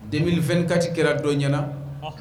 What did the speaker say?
Denbilifɛn kati kɛra don ɲɛnaana